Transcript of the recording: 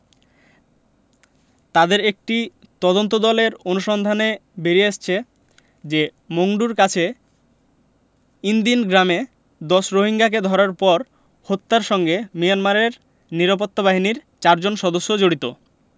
তাদের একটি তদন্তদলের অনুসন্ধানে বেরিয়ে এসেছে যে মংডুর কাছে ইনদিন গ্রামে ১০ রোহিঙ্গাকে ধরার পর হত্যার সঙ্গে মিয়ানমারের নিরাপত্তা বাহিনীর চারজন সদস্য জড়িত